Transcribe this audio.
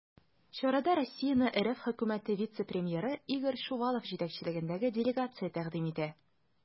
Чарада Россияне РФ Хөкүмәте вице-премьеры Игорь Шувалов җитәкчелегендәге делегация тәкъдим итә.